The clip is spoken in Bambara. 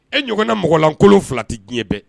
E ɲɔgɔnna mɔgɔlankolon fila tɛ diɲɛ dɛ